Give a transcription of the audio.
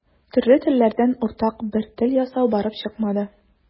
Төрле телләрдән уртак бер тел ясау барып чыкмады.